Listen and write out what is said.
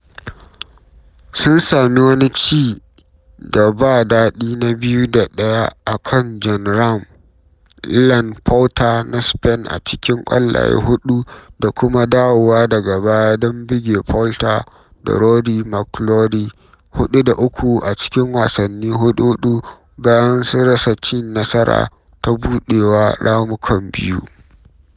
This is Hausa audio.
Sun sami wani ci da ba daɗi na 2 da 1 a kan Jon Rahm Ian Poulter na Spain a cikin ƙwallaye huɗu da kuma dawowa daga baya don buge Poulter da Rory McIlroy 4 da 3 a cikin wasannin huɗu-huɗu bayan su rasa cin nasara ta buɗewa ramukan biyu.